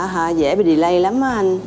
hả dễ bị đì lây lắm á anh